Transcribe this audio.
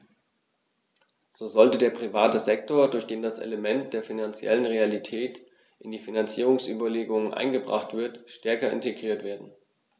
So sollte der private Sektor, durch den das Element der finanziellen Realität in die Finanzierungsüberlegungen eingebracht wird, stärker integriert werden.